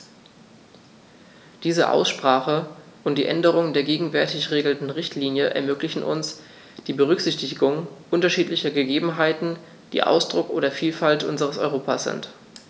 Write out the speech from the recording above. Diese Aussprache und die Änderung der gegenwärtig geltenden Richtlinie ermöglichen uns die Berücksichtigung unterschiedlicher Gegebenheiten, die Ausdruck der Vielfalt unseres Europas sind.